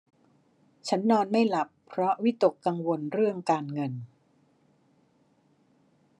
ฉันนอนไม่หลับเพราะวิตกกังวลเรื่องการเงิน